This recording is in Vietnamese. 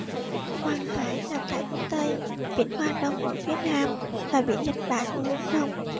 hoàng hải nằm tại hướng tây biển hoa đông ở phía nam và biển nhật bản ở hướng đông